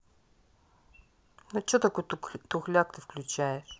ну че такой тухляк ты включаешь